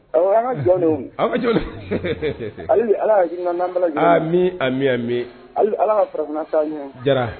An ka jɔn an ka jɔn alainaan mi mi mi ala ka fara ɲɛ jara